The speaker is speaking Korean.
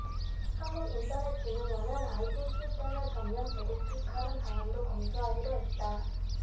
한국인터넷진흥원은 아이핀 시스템을 전면 재구축하는 방안도 검토하기로 했다